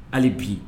Hali bi